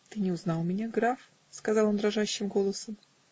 "Ты не узнал меня, граф?" -- сказал он дрожащим голосом.